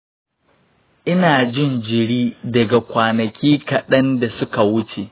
ina jin jiri daga kwanaki kaɗan da suka wuce.